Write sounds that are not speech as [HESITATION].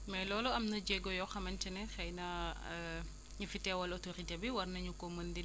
mais loolu am na jéego yoo xamante ne xëy na [HESITATION] ñi fi teewal autorité bi war nañu ko mën di